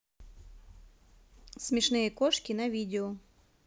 смешные кошки на видео